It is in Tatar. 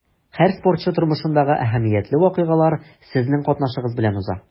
Һәр спортчы тормышындагы әһәмиятле вакыйгалар сезнең катнашыгыз белән уза.